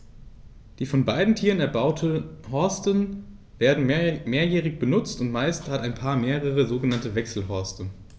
Die von beiden Tieren erbauten Horste werden mehrjährig benutzt, und meist hat ein Paar mehrere sogenannte Wechselhorste.